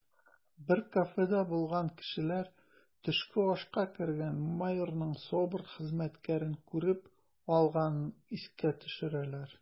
Бер кафеда булган кешеләр төшке ашка кергән майорның СОБР хезмәткәрен күреп алганын искә төшерәләр: